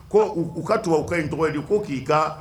Ko u ka tɔgɔ ka in tɔgɔ ye ko k'i ka